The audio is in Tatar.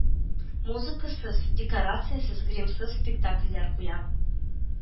Музыкасыз, декорациясез, гримсыз спектакльләр куя